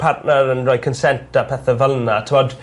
partner yn roi cynsent a pethe fel 'na t'w'od...